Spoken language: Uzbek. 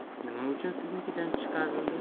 nima uchun siznikidan chiqarildi